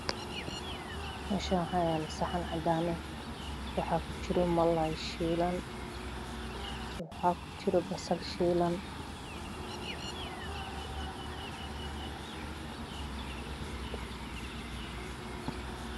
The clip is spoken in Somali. Meshan waxaa yela saxan cadan eh waxaa kujura malay shiilan waxaa kujura basal shiilan